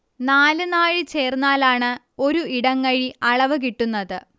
നാല് നാഴി ചേർന്നാലാണ് ഒരു ഇടങ്ങഴി അളവ് കിട്ടുന്നത്